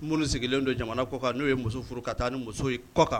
Minnu sigilen don jamana kɔkan n'o ye muso furu ka taa ni muso kɔkan